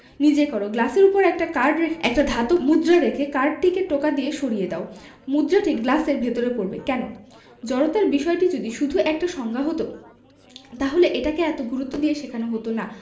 নিজে কর গ্লাসের উপর একটা কার্ড রেখে কার্ডের উপর একটা ধাতব মুদ্রা রেখে কার্ডটিকে টোকা দিয়ে সরিয়ে দাও মুদ্রাটি গ্লাসের ভেতর পড়বে কেন জড়তার বিষয়টি যদি শুধু একটা সংজ্ঞা হতো তাহলে এটাকে এত গুরুত্ব দিয়ে শেখানো হতো না